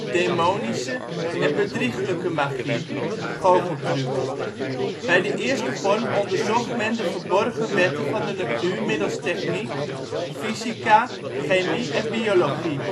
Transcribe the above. demonische en bedrieglijke magie (goocheltrucs). Bij de eerste vorm onderzocht men de verborgen wetten van de natuur middels techniek, fysica, chemie en biologie